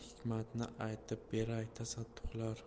hikmatni aytib beray tasadduqlar